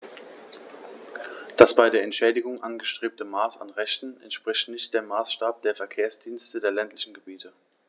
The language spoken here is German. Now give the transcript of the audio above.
Das bei der Entschädigung angestrebte Maß an Rechten entspricht nicht dem Maßstab der Verkehrsdienste der ländlichen Gebiete.